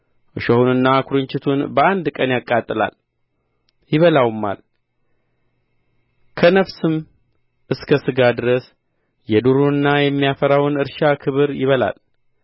እሾሁንና ኵርንችቱን በአንድ ቀን ያቃጥላል ይበላውማል ከነፍስም እስከ ሥጋ ድረስ የዱሩንና የሚያፈራውን እርሻ ክብር ይበላል